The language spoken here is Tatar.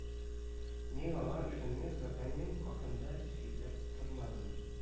Мин аңа үземнең заданием хакында сөйләп тормадым